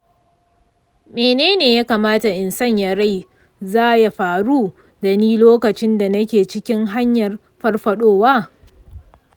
mene ne ya kamata in sanya rai za ya faru da ni lokacin da nake cikin hanyar farfadowa?